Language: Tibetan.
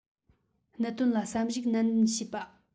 གནད དོན ལ བསམ གཞིགས ནན ཏན བྱེད པ